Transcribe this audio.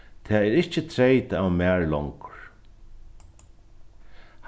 tað er ikki treytað av mær longur